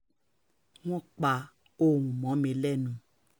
Wọ́n pa ohùn mọ́ mi lẹ́nu!